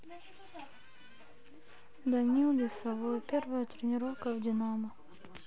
данил лесовой первая тренировка в динамо